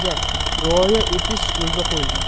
huquq normalariga rioya etish yo'lga qo'yilgan